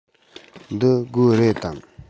འདི སྒོ རེད དམ